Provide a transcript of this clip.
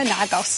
Yy nagos.